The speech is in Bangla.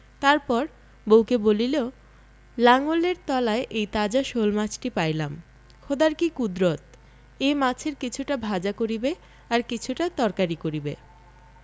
তারপর বউকে বলিল লাঙলের তলায় এই তাজা শোলমাছটি পাইলাম খোদার কি কুদরত এই মাছের কিছুটা ভাজা করিবে আর কিছুটা তরকারি করিবে